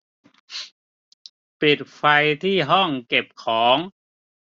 ปิดไฟที่ห้องเก็บของ